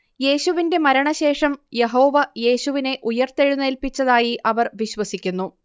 യേശുവിന്റെ മരണശേഷം യഹോവ യേശുവിനെ ഉയർത്തെഴുന്നേൽപ്പിച്ചതായി അവർ വിശ്വസിക്കുന്നു